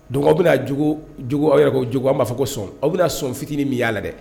Don bɛna aw yɛrɛ ko kojugu a b'a fɔ ko sɔn aw bɛna sɔn fitinin yyaa la dɛ